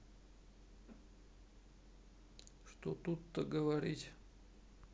что тут то говорить